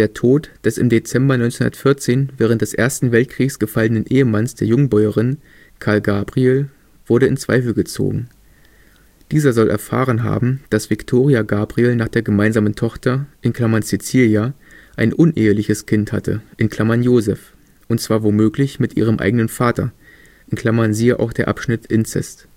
Tod des im Dezember 1914 während des Ersten Weltkriegs gefallenen Ehemanns der Jungbäuerin, Karl Gabriel, wurde in Zweifel gezogen. Dieser soll erfahren haben, dass Viktoria Gabriel nach der gemeinsamen Tochter (Cäzilia) ein uneheliches Kind hatte (Josef), und zwar womöglich mit ihrem eigenen Vater (siehe: Inzest